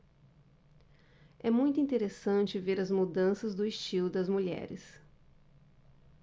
é muito interessante ver as mudanças do estilo das mulheres